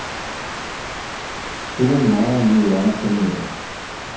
кто мама милана хаметова